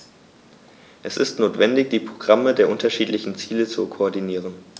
Es ist notwendig, die Programme der unterschiedlichen Ziele zu koordinieren.